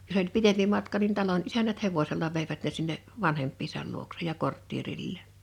jos oli pitempi matka niin talon isännät hevosella veivät ne sinne vanhempiensa luokse ja kortteerilleen